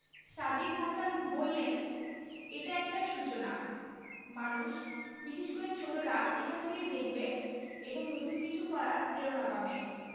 সাজিদ হাসান বললেন এটা একটা সূচনা মানুষ বিশেষ করে ছোটরা এখান থেকে দেখবে এবং নতুন কিছু করার প্রেরণা পাবে